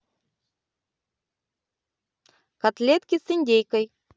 котлетки с индейкой